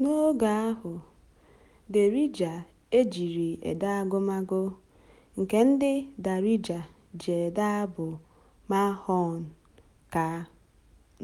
N'oge ahụ, Derija ejiri ede agụmagụ, nke ndị Darija ji ede abụ Malhoun, ka